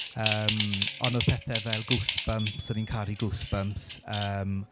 Yym ond oedd pethau fel Goosebumps o'n i'n caru Goosebumps yym.